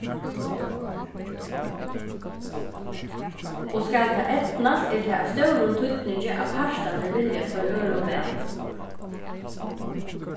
og skal tað eydnast er tað av stórum týdningi at partarnir vilja hvørjum øðrum væl